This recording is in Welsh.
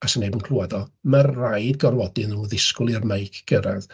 A sneb yn clywad o. Ma' raid gorfodi nhw ddisgwyl i'r meic gyrraedd.